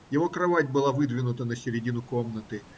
Его кровать была выдвинута на середину комнаты.